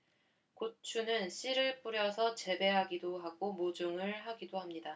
고추는 씨를 뿌려서 재배하기도 하고 모종을 하기도 합니다